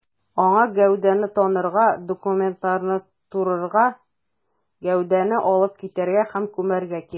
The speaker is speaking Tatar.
Аңа гәүдәне танырга, документларны турырга, гәүдәне алып китәргә һәм күмәргә кирәк.